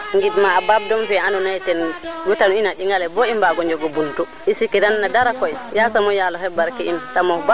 a coono yo de nda koy im jaw ka nange im gar arrosé bata xuɓ in nanga jaw ka moof mbinda jaw bo fegal so sogo dak wiid ɗinga le